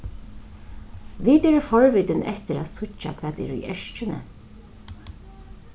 vit eru forvitin eftir at síggja hvat er í eskjuni